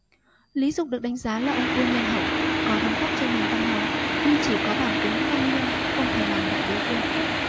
lý dục được đánh giá là ông vua nhân hậu có đóng góp cho nền văn hóa nhưng chỉ có bản tính văn nhân không thể làm bậc đế vương